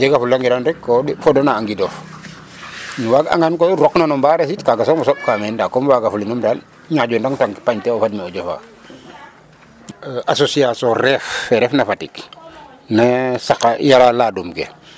o jega fula ngiran rek ko ko foda na a ŋidof waag angn koy um rok no mbares it kaga somo soɓ ka meen nda koy comme wagafulinum daal ñaaƴo ndak pañ ke o fad me o jofa association reef fe ref na Fatick ne saqa yara ladum ke